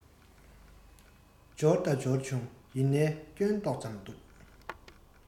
འབྱོར ད འབྱོར བྱུང ཡིན ནའི སྐྱོན ཏོག ཙམ འདུག